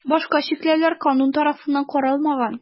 Башка чикләүләр канун тарафыннан каралмаган.